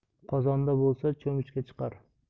qozonda bo'lsa cho'michga chiqar